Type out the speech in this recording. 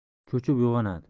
cho'chib uyg'onadi